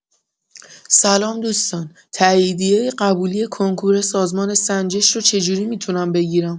سلام دوستان، تاییدیه قبولی کنکور سازمان سنجش رو چجوری می‌تونم بگیرم؟